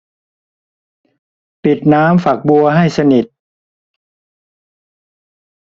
ปิดน้ำฝักบัวให้สนิท